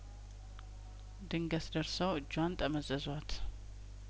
ድንገት ደርሰው እጇን ጠመዘዟት